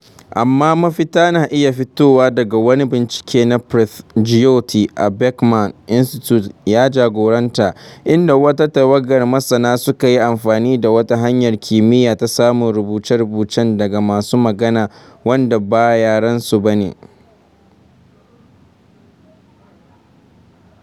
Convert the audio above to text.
Amma mafita na iya fitowa daga wani bincike da Preethi Jyothi a Beckman Institute ya jagoranta, inda wata tawagar masana suka yi amfani da wata hanyar kimiyya ta samun rubuce-rubucen daga masu magana wanda ba yaren su ba ne.